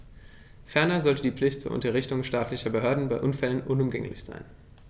Ferner sollte die Pflicht zur Unterrichtung staatlicher Behörden bei Unfällen unumgänglich sein.